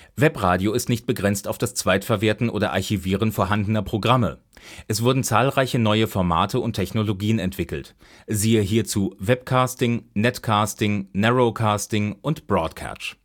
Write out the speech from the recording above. Webradio ist nicht begrenzt auf das Zweitverwerten oder Archivieren vorhandener Programme; es wurden zahlreiche neue Formate und Technologien entwickelt; siehe hierzu Webcasting, Netcasting, Narrowcasting und Broadcatch